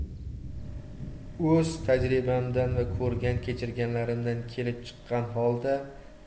o'z tajribamdan va ko'rgan kechirganlarimdan kelib chiqqan